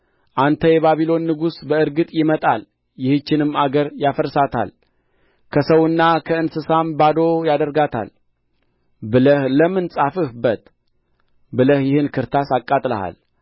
አንተ የባቢሎን ንጉሥ በእርግጥ ይመጣል ይህችንም አገር ያፈርሳታል ከሰውና ከእንስሳም ባዶ ያደርጋታል ብለህ ለምን ጻፍህበት ብለህ ይህን ክርታስ አቃጥለሃል